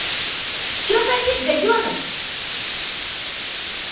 че завис гаденыш